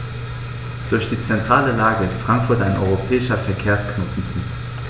Durch die zentrale Lage ist Frankfurt ein europäischer Verkehrsknotenpunkt.